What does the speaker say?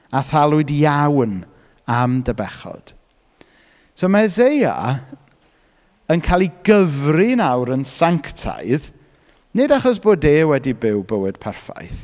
A thalwyd iawn am dy bechod. So mae Eseia yn cael ei gyfri nawr yn sanctaidd, nid achos bod e wedi byw bywyd perffaith...